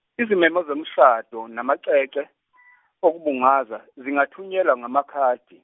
izimemo zemishado namacece, okubungaza zingathunyelwa ngamakhadi.